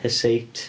Hesate.